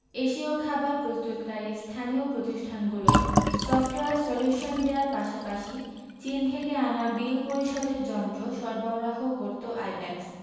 এশীয় খাবার প্রস্তুতকারী স্থানীয় প্রতিষ্ঠানগুলোয় সফটওয়্যার সলিউশন দেওয়ার পাশাপাশি চীন থেকে আনা বিল পরিশোধের যন্ত্র সরবরাহ করত আইব্যাকস